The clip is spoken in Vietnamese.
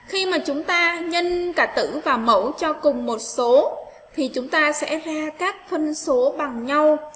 khi mà chúng ta nhân cả tử và mẫu cho cùng một số thì chúng ta sẽ ra các phân số bằng nhau